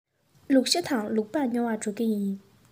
ལུག ཤ དང ལུག ལྤགས ཉོ བར འགྲོ གི ཡིན